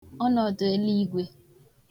ọnọ̀dụ̀eligwe